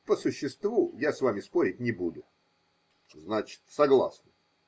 По существу я с вами спорить не буду. – Значит, согласны?